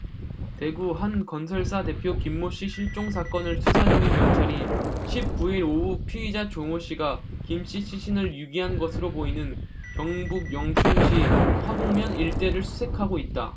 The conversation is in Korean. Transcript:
대구 한 건설사 대표 김모씨 실종 사건을 수사 중인 경찰이 십 구 일 오후 피의자 조모씨가 김씨 시신을 유기한 것으로 보이는 경북 영천시 화북면 일대를 수색하고 있다